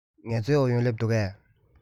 ངལ རྩོལ ཨུ ཡོན སླེབས འདུག གས